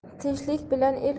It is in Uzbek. tinchlik bilan el